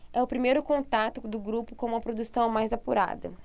é o primeiro contato do grupo com uma produção mais apurada